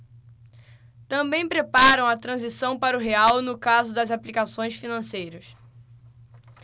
também preparam a transição para o real no caso das aplicações financeiras